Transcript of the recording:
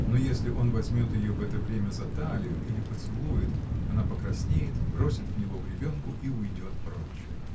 Но если он возьмет ее в это время за талию или поцелует, она покраснеет, бросит в него гребенку и уйдет прочь.